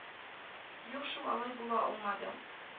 Юк шул алай була алмады